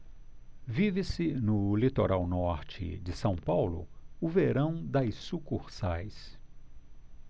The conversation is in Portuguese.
vive-se no litoral norte de são paulo o verão das sucursais